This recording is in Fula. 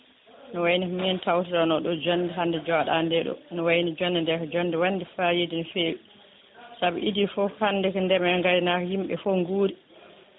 ne wayno ko minen tawtirano ɗo jonde hande joɗade nde ɗo ene wayno jondede ko jonde wandde fayida no fewi saabu iidi foof hande ko ndeema e gaynaka yimɓe foof guuri